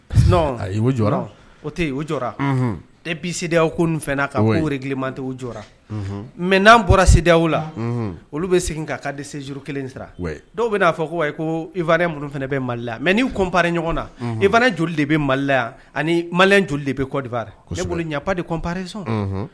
O yen o jɔ e bidiw ko ka gmantɛ jɔra mɛ n'an bɔra sidiw la olu bɛ segin' ka di se suru kelen sira dɔw bɛna'a fɔ ko ko irɛ minnu fana bɛ mali la mɛ n'i kop ɲɔgɔn na i joli de bɛ malila yan ani ma joli de bɛ kɔdibara ɲɛ dempɛreson